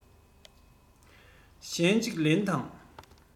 གཞས གཅིག ལེན དང